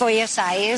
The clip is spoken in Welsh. Fwy o seis.